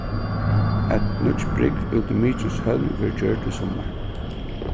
at nýggj brúgv út í mykineshólm verður gjørd í summar